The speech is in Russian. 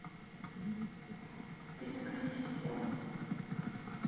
перезагрузи систему